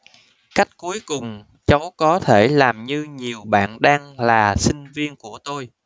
cách cuối cùng cháu có thể làm như nhiều bạn đang là sinh viên của tôi